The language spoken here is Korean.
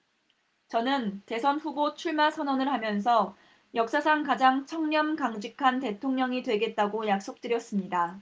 저는 대선 후보 출마 선언을 하면서 역사상 가장 청렴 강직한 대통령이 되겠다고 약속 드렸습니다